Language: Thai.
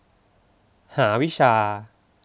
หาวิชา